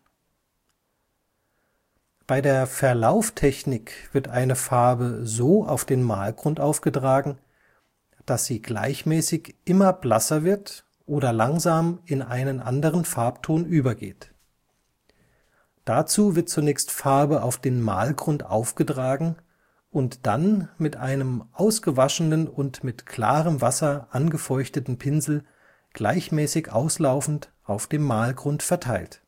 Bei der Verlauftechnik wird eine Farbe so auf den Malgrund aufgetragen, dass sie gleichmäßig immer blasser wird oder langsam in einen anderen Farbton übergeht. Dazu wird zunächst Farbe auf den Malgrund aufgetragen und dann mit einem ausgewaschenen und mit klarem Wasser angefeuchteten Pinsel gleichmäßig auslaufend auf dem Malgrund verteilt